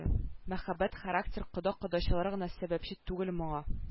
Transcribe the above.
Мәхәббәт характер кода-кодачалар гына сәбәпче түгел моңа